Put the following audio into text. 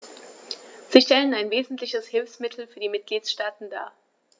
Sie stellen ein wesentliches Hilfsmittel für die Mitgliedstaaten dar.